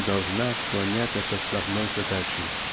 не должна отклонять от основной задачи.